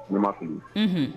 Ne maa fili h